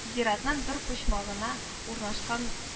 Зиратның бер почмагына урнашкан